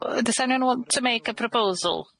Does anyone want to make a proposal?